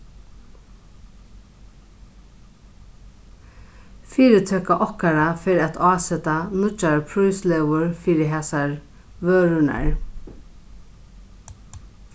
fyritøka okkara fer at áseta nýggjar príslegur fyri hasar vørurnar